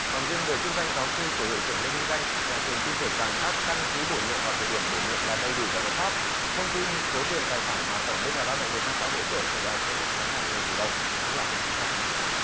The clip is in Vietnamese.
còn riêng về chức danh giáo sư của hiệu trưởng lê vinh danh nhà trường tin tưởng rằng các căn cứ bổ nhiệm vào thời điểm bổ nhiệm là đầy đủ và hợp pháp thông tin số tiền tài sản mà tổng liên đoàn lao động việt nam đã hỗ trợ trường đại học tôn đức thắng hàng nghìn tỷ đồng cũng là không chính xác